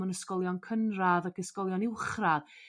mewn ysgolion cynradd ag ysgolion uwchradd.